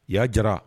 Y ya jara